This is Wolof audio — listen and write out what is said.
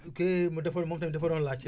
kii mu dafa moom tamit dafa doon laajte